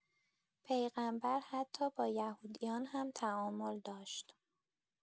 پیغمبر حتی با یهودیان هم تعامل داشته.